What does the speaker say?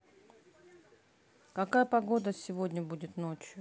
какая погода сегодня будет ночью